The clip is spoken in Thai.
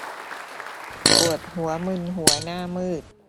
ปวดหัวมึนหัวหน้ามืด